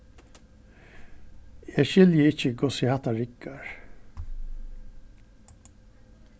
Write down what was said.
eg skilji ikki hvussu hatta riggar